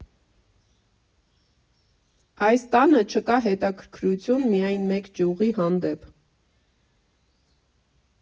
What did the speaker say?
Այս տանը չկա հետաքրքրություն միայն մեկ ճյուղի հանդեպ։